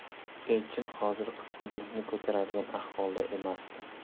elchin hozir qitmirlikni ko'taradigan ahvolda emasdi